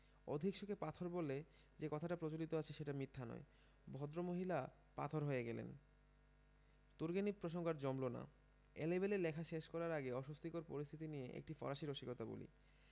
অধিক শোকে পাথর বলে যে কথাটা প্রচলিত আছে সেটা মিথ্যা নয় ভদ্র মহিলা পাথর হয়ে গেলেন তুর্গেনিভ প্রসঙ্গ আর জমল না এলেবেলে লেখা শেষ করার আগে অস্বস্তিকর পরিস্থিতি নিয়ে একটি ফরাসি রসিকতা বলি